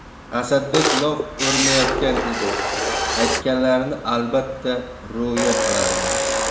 asadbek lof urmayotgan edi aytganlarini albatta ro'yo qilardi